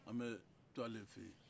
an bɛ to ale fɛ yen